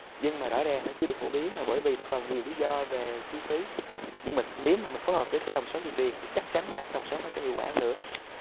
nhưng mà rõ ràng nó chưa được phổ biến là bởi vì nó còn nhiều lý do về chi phí nhưng nếu mà mình phối hợp với cái tầm soát di truyền thì chắc chắn là cái tầm soát nó sẽ hiệu quả nữa